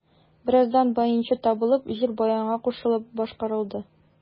Бераздан баянчы табылып, җыр баянга кушылып башкарылды.